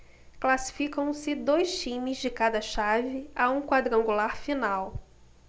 classificam-se dois times de cada chave a um quadrangular final